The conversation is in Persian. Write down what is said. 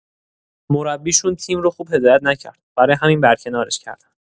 مربی‌شون تیم رو خوب هدایت نکرد، برای همین برکنارش کردن.